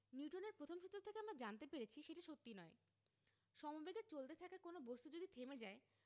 নিউটনের প্রথম সূত্র থেকে আমরা জানতে পেরেছি সেটা সত্যি নয় সমবেগে চলতে থাকা কোনো বস্তু যদি থেমে যায়